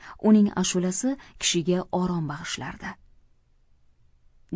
uning ashulasi kishiga orom bag'ishlardi